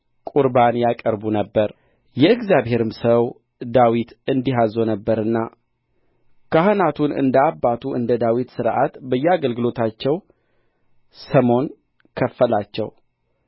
ቍርባን ያቀርቡ ነበር የእግዚአብሔርም ሰው ዳዊት እንዲህ አዝዞ ነበርና ካህናቱን እንደ አባቱ እንደ ዳዊት ሥርዓት በየአገልግሎታቸው ሰሞን ከፈላቸው